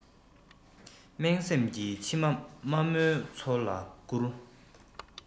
སྨྲེངས སེམས ཀྱི མཆི མ དམའ མོའི མཚོ ལ བསྐུར